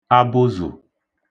abụzụ̀